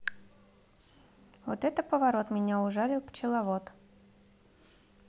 вот это поворот меня ужалил пчеловод